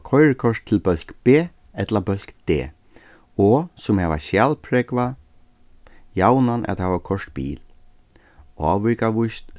koyrikort til bólk b ella bólk d og sum hava skjalprógvað javnan at hava koyrt bil